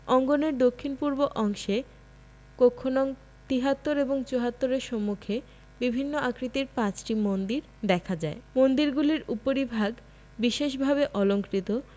অঙ্গনের দক্ষিণ পূর্ব অংশে কক্ষ নং ৭৩ এবং ৭৪ এর সম্মুখে বিভিন্ন আকৃতির ৫টি মন্দির দেখা যায় মন্দিরগুলির উপরিভাগ বিশেষভাবে অলংকৃত